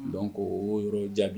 Dɔn ko o y yɔrɔ jaabi